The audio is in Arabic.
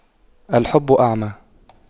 الحب أعمى